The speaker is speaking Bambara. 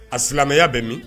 A silamɛya bɛ min?